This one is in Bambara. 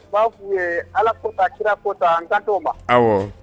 ' f' ye ala kota kira kota an ka to ban